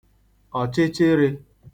ọ̀chịchịrị̄